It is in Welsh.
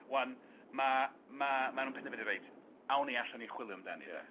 ŵan, ma' ma' ma' nw'n penderfynu reit, awn ni allan i chwilio amdani de.